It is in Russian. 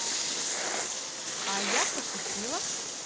а я пошутила